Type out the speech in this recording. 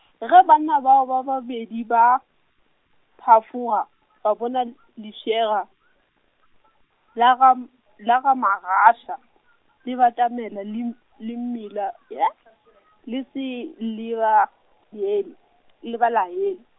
ge banna bao ba babedi ba, phafoga, ba bona l-, lefšega, la ga m-, la ga Mogašwa , le batamela le m-, le mmila , le se le ba, laele, le ba la ye.